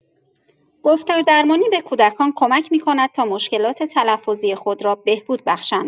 گفتاردرمانی به کودکان کمک می‌کند تا مشکلات تلفظی خود را بهبود بخشند.